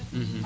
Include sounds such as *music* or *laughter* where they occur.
*hesitation* *hesitation*